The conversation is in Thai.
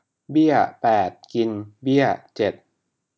เบี้ยแปดกินเบี้ยเจ็ด